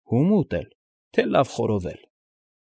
Հո՞ւմ ուտել, թե՞ լավ խորովել։